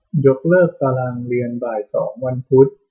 ยกเลิกตารางเรียนบ่ายสองวันพุธ